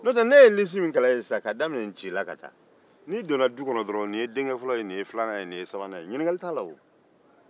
n'o tɛ ne ye lisi min kalan e ye sisan k'a daminɛ nci la ka taa n'i donna so kɔnɔ ɲininkali t'a la o